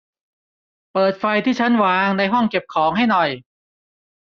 เปิดไฟที่ชั้นวางในห้องเก็บของให้หน่อย